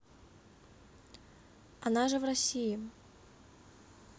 она же в россии